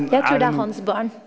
jeg trur det er hans barn.